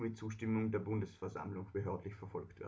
Zustimmung der Bundesversammlung behördlich verfolgt